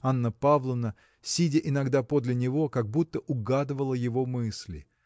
Анна Павловна, сидя иногда подле него, как будто угадывала его мысли.